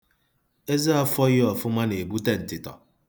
Eze afọghị ọfụma na-ebute ntịtọ.